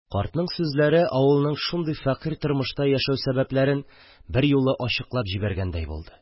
Картның сүзләре авылның шундый фәкыйрь тормышта яшәү сәбәпләрен берьюлы ачыклап җибәргәндәй булды